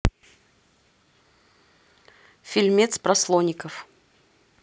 фильмец про слоников